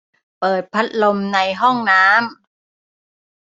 เปิดพัดลมในห้องน้ำ